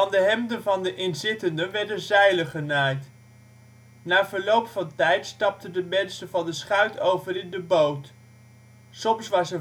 de hemden van de inzittenden werden zeilen genaaid. Na verloop van tijd stapten de mensen van de schuit over in de boot. Soms was